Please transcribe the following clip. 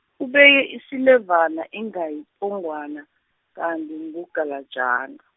ubeke isilevana inga yipongwana, kanti ngugalajana.